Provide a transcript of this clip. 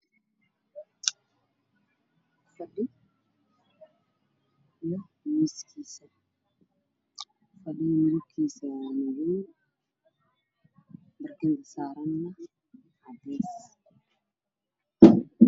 Meeshaan waxaa ka muuqda wiilal banooni ciyaarayo oo funaanado wato